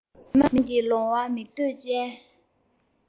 མི དམངས ཀྱིས ལོང བ མིག འདོད ཅན